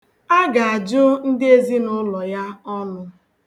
A ga-ajụ ndị ezinụụlọ ya ọnụ.